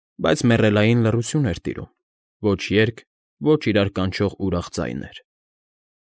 Բայց մեռելային լռություն էր տիրում՝ ոչ երգ, ոչ իրար կանչող ուրախ ձայներ։